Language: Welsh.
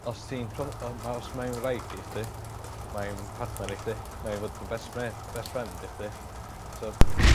os ti'n pro yym os mae 'i'n wraig i chdi mae'n partner i chdi mae o fod yn best ma- best friend i chdi so